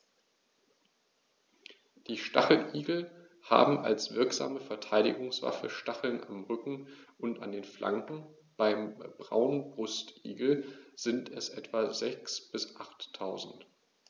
Die Stacheligel haben als wirksame Verteidigungswaffe Stacheln am Rücken und an den Flanken (beim Braunbrustigel sind es etwa sechs- bis achttausend).